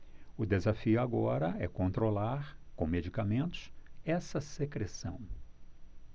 o desafio agora é controlar com medicamentos essa secreção